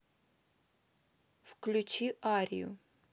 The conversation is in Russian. включи арию